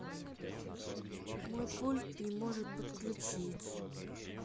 мой пульт не может подключиться